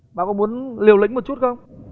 bạn có muốn liều lĩnh một chút không